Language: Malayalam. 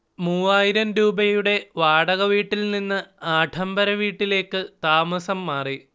മൂവായിരം രൂപയുടെ വാടകവീട്ടിൽ നിന്ന് ആഢംബര വീട്ടിലേക്ക് താമസം മാറി